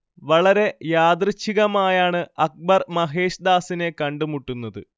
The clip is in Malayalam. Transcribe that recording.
വളരെ യാദൃച്ഛികമായാണ് അക്ബർ മഹേശ് ദാസിനെ കണ്ടുമുട്ടുന്നത്